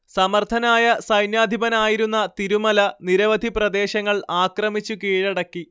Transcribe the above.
സമർഥനായ സൈന്യാധിപനായിരുന്ന തിരുമല നിരവധി പ്രദേശങ്ങൾ ആക്രമിച്ചു കീഴടക്കി